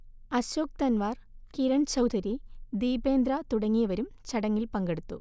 അശോക് തൻവാർ, കിരൺ ചൗധരി, ദീപേന്ദ്ര തുടങ്ങിയവരും ചടങ്ങിൽ പങ്കെടുത്തു